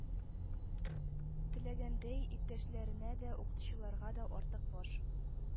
Теләгәндәй, иптәшләренә дә, укытучыларга да артык баш